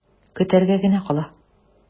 Көтәргә генә кала.